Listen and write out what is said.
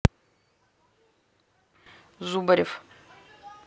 зубарев